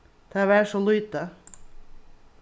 tað var so lítið